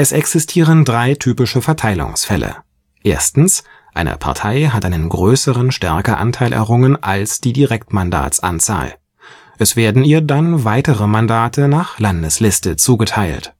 existieren drei typische Verteilungsfälle: Eine Partei hat einen größeren Stärkeanteil errungen als die Direktmandatsanzahl. Es werden ihr dann weitere Mandate nach Landesliste zugeteilt